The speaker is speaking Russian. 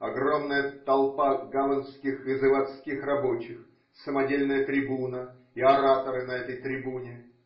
Огромная толпа гаванских и заводских рабочих, самодельная трибуна и ораторы на этой трибуне.